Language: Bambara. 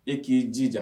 E k'i jija